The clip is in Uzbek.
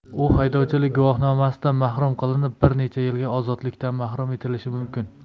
u haydovchilik guvohnomasidan mahrum qilinib bir necha yilga ozodlikdan mahrum etilishi mumkin